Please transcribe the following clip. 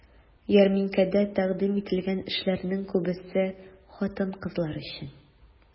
Ярминкәдә тәкъдим ителгән эшләрнең күбесе хатын-кызлар өчен.